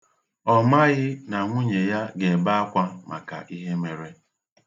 Ọ maghị na nwunye ya ga-ebe akwa maka ihe mere.